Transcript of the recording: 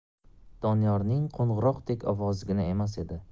doniyorning qo'ng'iroqdek ovozigina emas edi